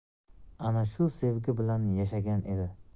ana shu sevgi bilan yashagan edi